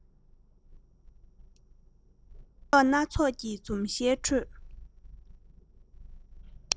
མེ ཏོག སྣ ཚོགས ཀྱི འཛུམ ཞལ ཁྲོད